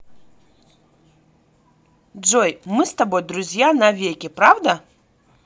джой мы с тобой друзья навеки правда